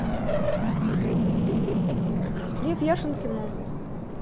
лев яшин кино